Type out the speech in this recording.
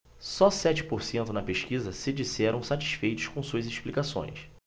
só sete por cento na pesquisa se disseram satisfeitos com suas explicações